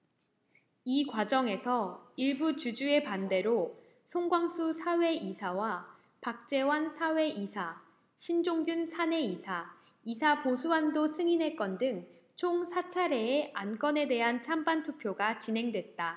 이 과정에서 일부 주주의 반대로 송광수 사외이사와 박재완 사외이사 신종균 사내이사 이사 보수한도 승인의 건 등 총 사 차례의 안건에 대한 찬반 투표가 진행됐다